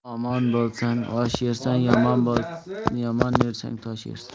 omon bo'lsang osh yersan yomon yursang tosh yersan